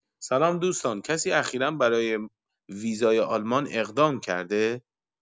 سلام دوستان کسی اخیرا برای ویزای آلمان اقدام کرده؟